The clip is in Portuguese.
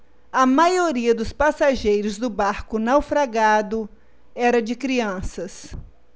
a maioria dos passageiros do barco naufragado era de crianças